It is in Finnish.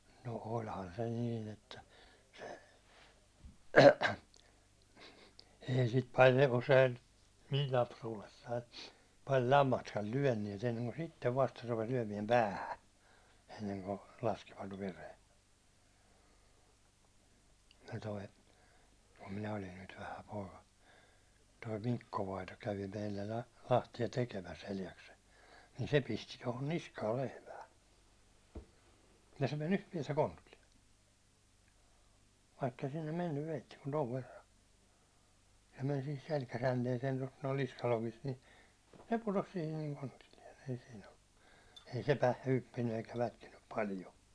no olihan se niin että se ei sitä paljon usein minun lapsuudessani paljon lammastakaan lyöneet ennen kuin sitten vasta rupesi lyömään päähän ennen kuin laskivat veren se tuo kun minä olin nyt vähä poika tuo Mikko vainaja kävi meillä - lahtia tekemässä Eljaksella niin se pisti tuohon niskaan lehmää ja se meni yhtä päätä kontilleen vaikka ei sinne mennyt veitsi kuin tuon verran se meni siihen selkäjänteeseen tuosta nuo niskalokista niin se putosi siihen niin kontilleen sihisi silloin ei se - hyppinyt eikä lätkinyt paljon